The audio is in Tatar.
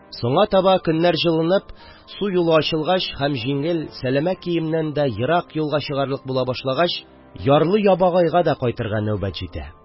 . соңга таба, көннәр җылынып, су юлы ачылгач һәм җиңел, сәләмә киемнән дә ерак юлга чыгарлык була башлагач, ярлы-ябагайга да кайтырга нәүбәт җитә.